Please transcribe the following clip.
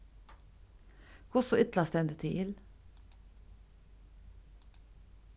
hvussu illa stendur til